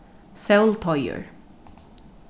sólteigur